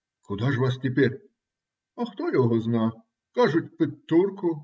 - Куда ж вас теперь? - А хто ёго зна! Кажуть, пид турку.